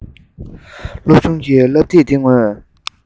སློབ ཆུང གི བསླབ དེབ ངོས